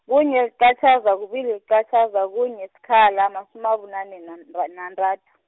kunye, liqatjhaza, kubili, liqatjhaza, kunye, sikhala, masumi abunane nanta- nantathu.